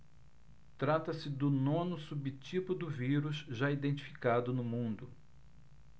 trata-se do nono subtipo do vírus já identificado no mundo